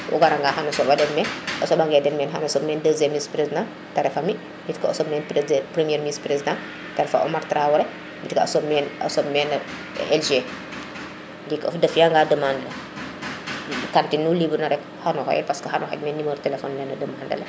o ganga xano soɓa den meen o soɓa ge den meen xamo soɓ meen 2eme vice président te ref a mi o soɓ meen 1er vice président te refa Omar Traoré mbito soɓ meen o soɓ meen SG ndiki po fiya nga a demande kantin ku libre na rek xano xoyel parce xayo xaƴ meen numero telephone newo